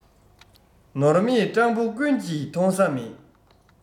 ནོར མེད སྤྲང བོ ཀུན གྱིས མཐོང ས མེད